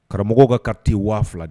Karamɔgɔw ka carte 2000.